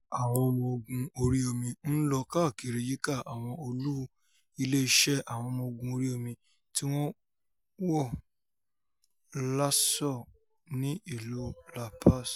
Àwọn ọmọ ogun orí-omi ńlọ káàkiri yíka àwọn olú ilé iṣẹ àwọn ọmọ ogun orí-omi tíwọn wọ̀ lásọ ní ìlú La Paz.